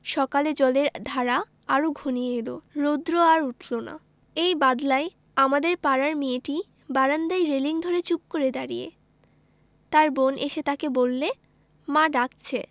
সকালে জলের ধারা আরো ঘনিয়ে এল রোদ্র আর উঠল না এই বাদলায় আমাদের পাড়ার মেয়েটি বারান্দায় রেলিঙ ধরে চুপ করে দাঁড়িয়ে তার বোন এসে তাকে বললে মা ডাকছে